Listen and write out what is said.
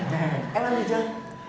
em ăn gì chưa